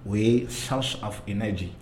O ye